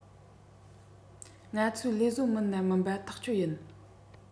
ང ཚོའི ལས བཟོ མི སྣ མིན པ ཁོ ཐག བཅད ཡིན